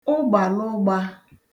ụgbàlụgbā